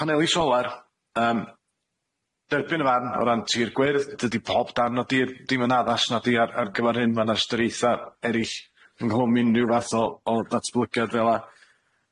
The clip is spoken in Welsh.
Paneli solar yym derbyn y fan o ran tir gwyrdd dydi pob darn o dir dim yn addas nadi ar ar gyfar hyn ma' 'na ystyriaetha erill ynghlwm unryw fath o o ddatblygiad fel a.